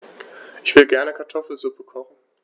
Ich will gerne Kartoffelsuppe kochen.